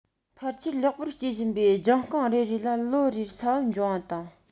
ཕལ ཆེར ལེགས པོར སྐྱེ བཞིན པའི ལྗང རྐང རེ རེ ལ ལོ རེར ས བོན འབྱུང བ དང